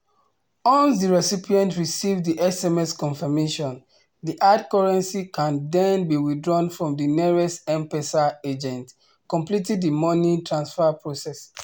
Once the recipient receives the SMS confirmation, the hard currency can then be withdrawn from the nearest M-PESA agent, completing the money transfer process.